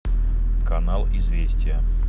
канал известия